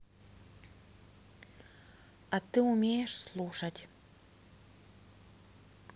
а ты умеешь слушать